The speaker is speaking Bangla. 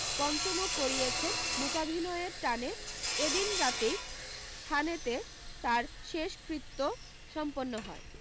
মঞ্চমুখ করিয়েছেন মূকাভিনয়ের টানে এ দিন রাতেই থানেতে তার শেষকৃত্য সম্পন্ন হয়